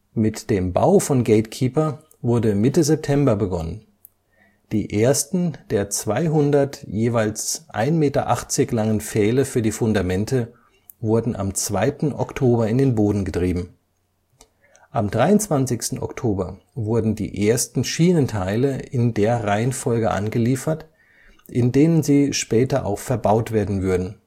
Mit dem Bau von GateKeeper wurde Mitte September begonnen. Die ersten der 200 jeweils 1,8 Meter langen Pfähle für die Fundamente wurden am 2. Oktober in den Boden getrieben. Am 23. Oktober wurden die ersten Schienenteile in der Reihenfolge angeliefert, in denen sie später auch verbaut werden würden